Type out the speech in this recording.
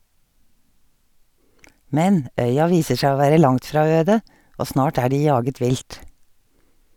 Men, øya viser seg å være langt fra øde, og snart er de jaget vilt.